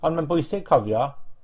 Ond ma'n bwysig cofio